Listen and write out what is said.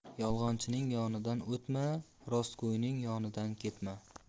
yolg'onchining yonidan o'tma rostgo'yning yonidan ketma